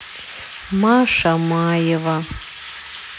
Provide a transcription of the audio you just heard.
маша маева